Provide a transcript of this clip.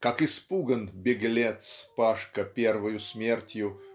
Как испуган "беглец" Пашка первою смертью